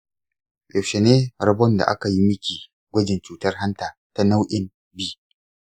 yaushe ne rabon da aka yi miki gwajin cutar hanta ta nau'in b?